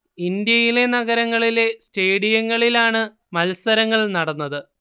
ഇന്ത്യയിലെ നഗരങ്ങളിലെ സ്റ്റേഡിയങ്ങളിലാണ് മത്സരങ്ങൾ നടന്നത്